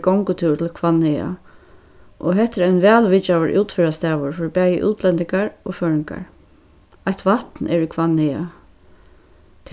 gongutúri til hvannhaga og hetta er ein væl vitjaður útferðarstaður fyri bæði útlendingar og føroyingar eitt vatn er í hvannhaga